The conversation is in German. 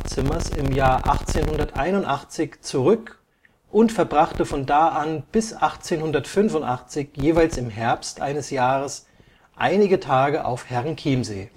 1881 zurück und verbrachte von da an bis 1885 jeweils im Herbst eines Jahres einige Tage auf Herrenchiemsee